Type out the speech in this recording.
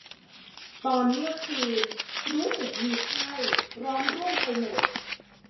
ตอนเมื่อคืนรู้สึกมีไข้ร้อนรุ่มไปหมด